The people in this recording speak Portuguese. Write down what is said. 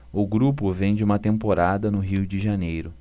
o grupo vem de uma temporada no rio de janeiro